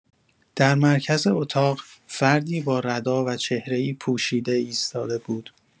در مرکز اتاق، فردی با ردا و چهره‌ای پوشیده ایستاده بود.